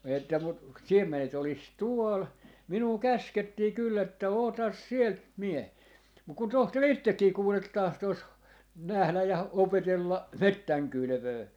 että mutta siemenet olisi tuolla minua käskettiin kyllä että ota sieltä - mutta kun tohtori itsekin kuule tahtoisi nähdä ja opetella metsän kylvöä